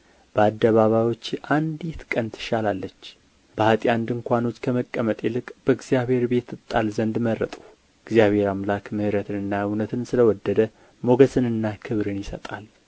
በአደባባዮችህ አንዲት ቀን ትሻላለች በኃጥኣን ድንኳኖች ከመቀመጥ ይልቅ በእግዚአብሔር ቤት እጣል ዘንድ መረጥሁ እግዚአብሔር አምላክ ምሕረትንና እውነትን ስለ ወደደ ሞገስንና ክብርን ይሰጣል